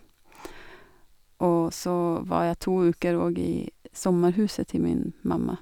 Og så var jeg to uker òg i sommerhuset til min mamma.